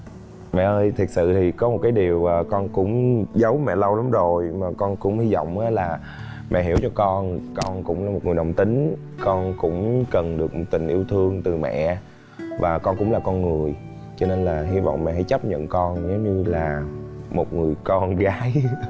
mẹ ơi thực sự thì có một cái điều à con cũng giấu mẹ lâu lắm rồi mà con cũng hy vọng là mẹ hiểu cho con con cũng là một người đồng tính con cũng cần được một tình yêu thương từ mẹ và con cũng là con người cho nên là hy vọng mẹ hãy chấp nhận con giống như là một người con gái